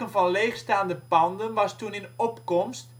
van leegstaande panden was toen in opkomst